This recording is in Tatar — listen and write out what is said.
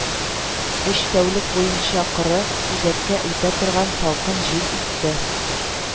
Өч тәүлек буенча коры, үзәккә үтә торган салкын җил исте